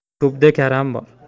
ko'pda karam bor